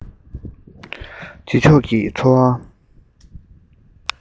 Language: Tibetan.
རྗེས ཕྱོགས ཀྱི འཚོ བ